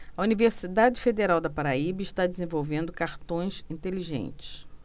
a universidade federal da paraíba está desenvolvendo cartões inteligentes